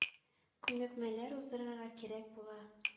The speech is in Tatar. Күнекмәләр уздырырга кирәк була.